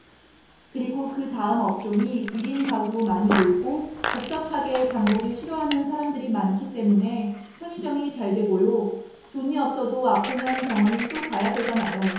그리고 그다음 업종이 일 인 가구 많이 늘고 복잡하게 장보기 싫어하는 사람들이 많기 때문에 편의점이 잘되고요 돈이 없어도 아프면 병원은 또 가야 되잖아요